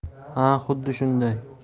ha xuddi shunday